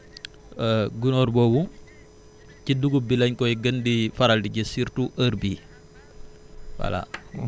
gunóor boobu ci dugub bi lañ koy gën di faral di gis surtout heure biivoilà